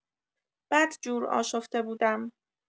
بدجور آشفته بودم.